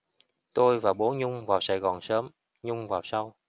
tôi và bố nhung vào sài gòn sớm nhung vào sau